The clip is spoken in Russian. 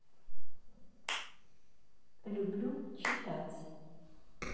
люблю читать